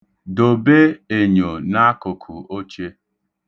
Dobe enyo n'akụkụ oche.